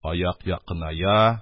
Аяк якыная,